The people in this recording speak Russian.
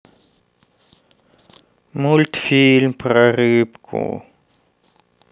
мультфильм про рыбку